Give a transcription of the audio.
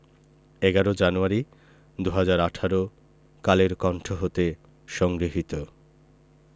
১১ জানুয়ারি ২০১৮ কালের কন্ঠ হতে সংগৃহীত